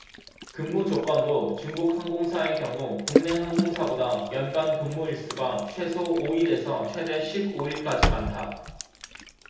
근무조건도 중국 항공사의 경우 국내 항공사보다 연간 근무 일수가 최소 오 일에서 최대 십 오 일까지 많다